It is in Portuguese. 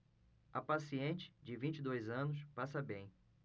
a paciente de vinte e dois anos passa bem